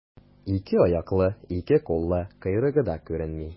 Ике аяклы, ике куллы, койрыгы да күренми.